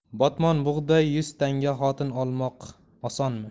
botmon bug'doy yuz tanga xotin olmoq osonmi